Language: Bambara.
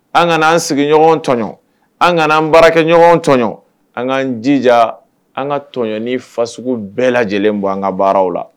An ka anan sigiɲɔgɔn tɔɔn an ka an baara kɛ ɲɔgɔn tɔɔn an kaan jija an ka tɔɔnni fa sugu bɛɛ lajɛlen bɔ an ka baaraw la